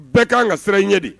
Bɛɛ ka kan ka sira ɲɛ de